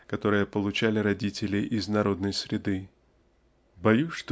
которые получали родители из народной среды. Боюсь